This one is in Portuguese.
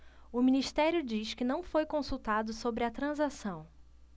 o ministério diz que não foi consultado sobre a transação